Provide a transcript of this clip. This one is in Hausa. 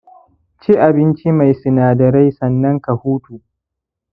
ci abinci mai sinadarai sannan ka hutu